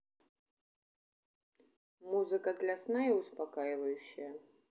музыка для сна и успокаивающая